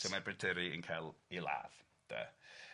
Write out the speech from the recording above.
So mae Pryderi yn cael 'i ladd, 'de?